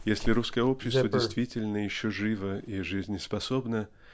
Если русское общество действительно еще живо и жизнеспособно